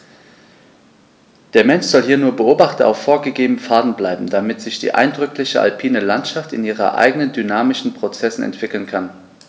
Der Mensch soll hier nur Beobachter auf vorgegebenen Pfaden bleiben, damit sich die eindrückliche alpine Landschaft in ihren eigenen dynamischen Prozessen entwickeln kann.